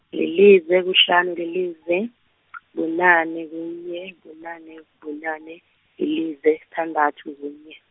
lilize, kuhlanu lilize , bunane kunye, bunane bunane yilize, sithandathu kunye.